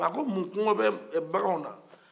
a ko mun kɔngɔ bɛ bangaw na